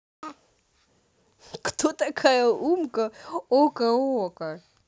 кто такая умка okko okko